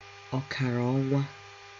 okara ọnwa